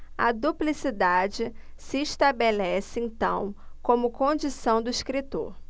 a duplicidade se estabelece então como condição do escritor